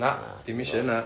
Na, 'di'm isio hynna.